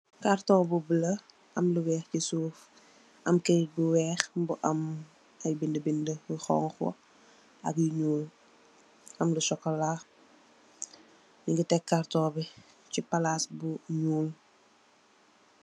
Car tun bu bule am kaity bu weex ci suuf, am ay binda binda yu xonxo ak yu nuul am lu sokola, yu ngi tekk car tun bi ci palasi bu nuul.